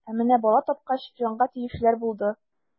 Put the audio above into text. Ә менә бала тапкач, җанга тиючеләр булды.